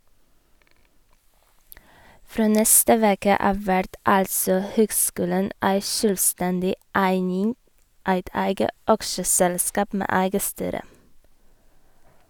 Frå neste veke av vert altså høgskulen ei sjølvstendig eining, eit eige aksjeselskap med eige styre.